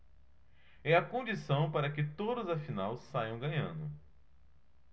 é a condição para que todos afinal saiam ganhando